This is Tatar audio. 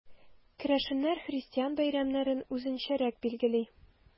Керәшеннәр христиан бәйрәмнәрен үзләренчәрәк билгели.